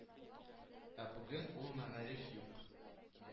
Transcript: Ә бүген ул мәгариф юк